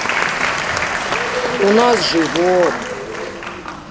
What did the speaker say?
у нас живот